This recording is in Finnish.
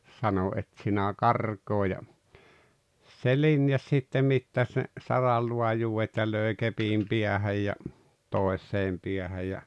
sanoin et sinä karkaa ja se linjasi sitten mittasi ne saranlaajuudet ja löi kepin päähän ja toiseen päähän ja